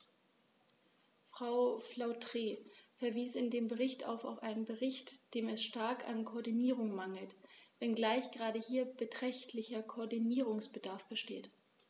Frau Flautre verwies in ihrem Bericht auch auf einen Bereich, dem es stark an Koordinierung mangelt, wenngleich gerade hier beträchtlicher Koordinierungsbedarf besteht.